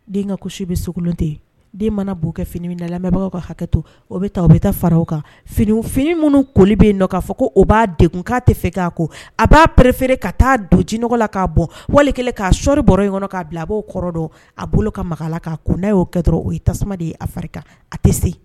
Den bɛ segulon ten den mana b'o kɛ fini na lamɛnbagaw ka hakɛ to o bɛ u bɛ taa faraw kan fini fini minnu ko bɛ yen k'a fɔ ko o b'a de k' tɛ fɛ k'a ko a b'aere ka taa don jinɛɔgɔ la'a bɔ wali kɛlen k'a sɔri baro in kɔnɔ k'a bila a b'o kɔrɔ dɔn a bolo ka makan'a kun nda y'o kɛ o ye tasuma de ye a fari a tɛ se